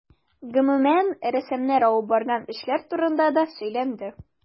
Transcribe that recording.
Гомүмән, рәссамнар алып барган эшләр турында да сөйләнде.